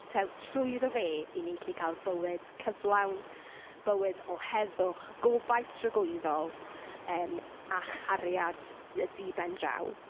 Taw trwyddo fe, 'y ni'n gallu cael bywyd cyflawn, bywyd o heddwch, gobaith tragwyddol, yym a chariad yy dibendraw.